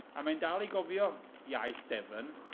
A mae hi'n dal i gofio iaith Devon.